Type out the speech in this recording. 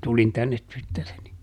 tulin tänne tyttäreni